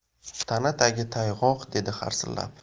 tana tagi tayg'oq dedi harsillab